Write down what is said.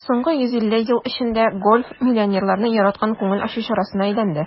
Соңгы 150 ел эчендә гольф миллионерларның яраткан күңел ачу чарасына әйләнде.